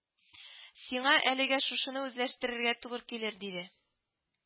— сиңа әлегә шушыны үзләштерергә турыр килер, — диде